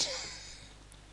.